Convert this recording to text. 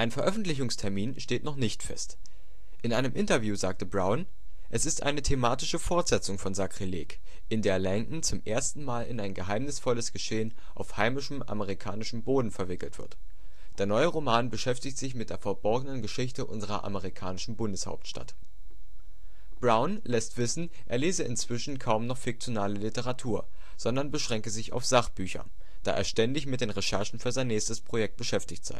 Veröffentlichungstermin steht noch nicht fest. In einem Interview sagte Brown: „ Es ist eine thematische Fortsetzung von SAKRILEG, in der Langdon zum ersten Mal in ein geheimnisvolles Geschehen auf heimischem amerikanischem Boden verwickelt wird. Der neue Roman beschäftigt sich mit der verborgenen Geschichte unserer amerikanischen Bundeshauptstadt. “Brown lässt wissen, er lese inzwischen kaum noch fiktionale Literatur, sondern beschränke sich auf Sachbücher, da er ständig mit den Recherchen für sein jeweils nächstes Projekt beschäftigt